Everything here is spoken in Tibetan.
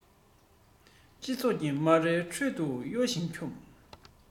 སྤྲིན ཚོགས ཀྱི སྨ རའི ཁྲོད དུ གཡོ ཞིང འཁྱོམ